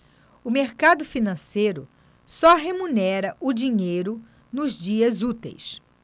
o mercado financeiro só remunera o dinheiro nos dias úteis